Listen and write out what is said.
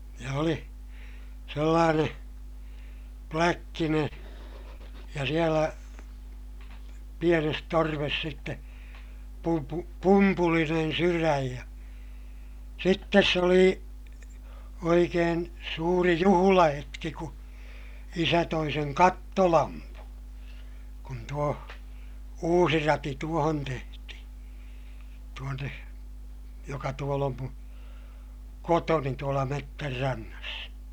ja oli sellainen pläkkinen ja siellä pienessä torvessa sitten - pumpulinen sydän ja sitten se oli oikein suuri juhlahetki kun isä toi sen kattolampun kun tuo uusi rati tuohon tehtiin tuonne joka tuolla on minun kotoni tuolla metsänrannassa